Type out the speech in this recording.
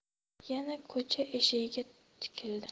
yana ko'cha eshigiga tikildi